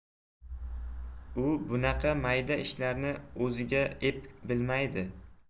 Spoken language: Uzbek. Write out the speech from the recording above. u bunaqa mayda ishlarni o'ziga ep bilmaydi